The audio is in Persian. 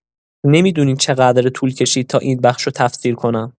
نمی‌دونی چقدر طول کشید تا این بخشو تفسیر کنم!